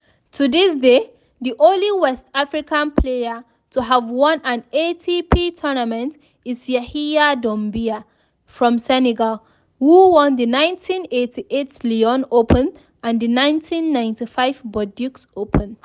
To this day, the only West African player to have won an ATP tournament is Yahiya Doumbia from Senegal, who won the 1988 Lyon Open and the 1995 Bordeaux Open.